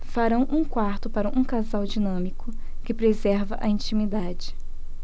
farão um quarto para um casal dinâmico que preserva a intimidade